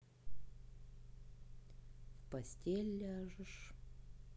в постель ляжешь